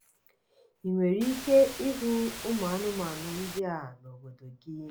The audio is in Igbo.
"I nwere ike ịhụ ụmụanụmanụ ndị a n'obodo gị?", ma